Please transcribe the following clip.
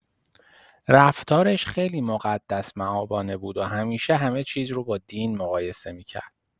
رفتارش خیلی مقدس‌مآبانه بود و همیشه همه چیز رو با دین مقایسه می‌کرد.